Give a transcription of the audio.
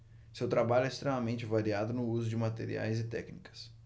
seu trabalho é extremamente variado no uso de materiais e técnicas